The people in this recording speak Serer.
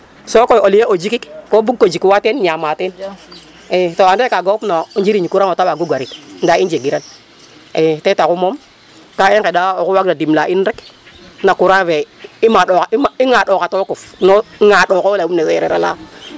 Sokoy au lieu o jikik ko bug ko jikwaa teen ñaamaa teen i to anda yee kaaga fop no njiriñ courant yo ta wagu garit ndaa i njegiran i ten taxu moom ka i nqeɗa oxu waagna dimle a in rek na courant fe i ŋaaɗooxa tokum ŋaaɗooxo layum ne seereer a laya .